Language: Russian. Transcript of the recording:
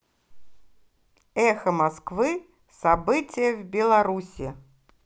эхо москвы события в беларуси